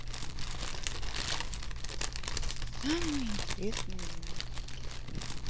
самые самые интересные мультики